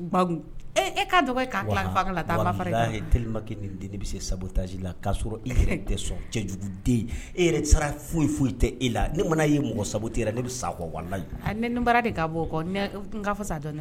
E e' ni bɛ se sabu la'a sɔrɔ e yɛrɛ tɛ sɔn cɛ juguden ye e yɛrɛ sara foyi foyi i tɛ e la ne mana ye mɔgɔ tɛ e yɛrɛ ne bɛ sakɔ wala bara k' bɔ fa sa dɔn